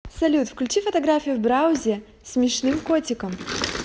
салют включи фотографию в браузере смешным котиком